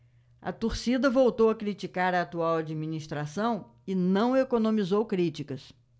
a torcida voltou a criticar a atual administração e não economizou críticas